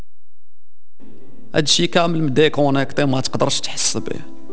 الشيخ كامل